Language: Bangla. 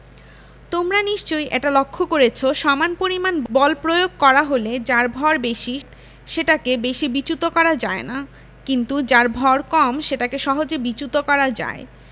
তোমরা নিশ্চয়ই এটা লক্ষ করেছ সমান পরিমাণ বল প্রয়োগ করা হলে যার ভর বেশি সেটাকে বেশি বিচ্যুত করা যায় না কিন্তু যার ভয় কম সেটাকে সহজে বিচ্যুত করা যায়